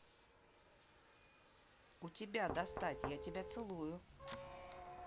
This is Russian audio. у тебя достать я тебя целую